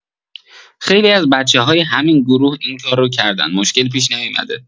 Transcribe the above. خیلی از بچه‌های همین گروه اینکار رو کردن مشکلی پیش نیومده